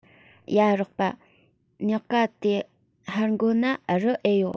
ཡ རོགས པ ཉག ག དེའི ཧར འགོ ན རུ ཨེ ཡོད